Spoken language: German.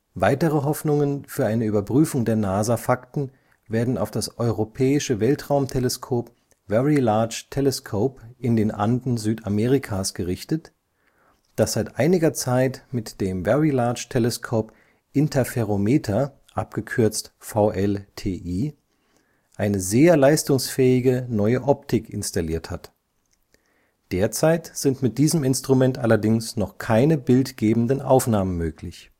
Weitere Hoffnungen für eine Überprüfung der NASA-Fakten werden auf das europäische Weltraumteleskop Very Large Telescope in den Anden Südamerikas gerichtet, das seit einiger Zeit mit dem Very Large Telescope Interferometer (VLTI) eine sehr leistungsfähige neue Optik installiert hat. Derzeit sind mit diesem Instrument allerdings noch keine bildgebenden Aufnahmen möglich